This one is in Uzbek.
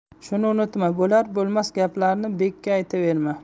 shuni unutma bo'lar bo'lmas gaplarni bekka aytaverma